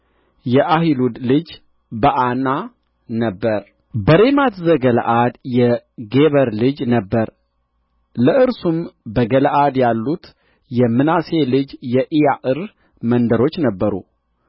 የአሒሉድ ልጅ በዓና ነበረ በሬማት ዘገለዓድ የጌበር ልጅ ነበረ ለእርሱም በገለዓድ ያሉት የምናሴ ልጅ የኢያዕር መንደሮች ነበሩ